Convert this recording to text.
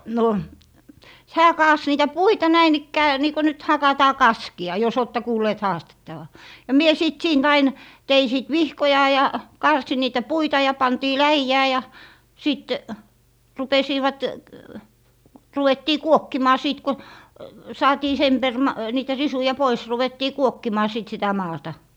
no hän kaatoi niitä puita näin ikään niin kuin nyt hakataan kaskea jos olette kuulleet haastettavan ja minä sitten siitä aina tein sitten vihkoja ja karsin niitä puita ja pantiin läjään ja ja sitten rupesivat ruvettiin kuokkimaan siitä kun saatiin sen -- niitä risuja pois ruvettiin kuokkimaan sitten sitä maata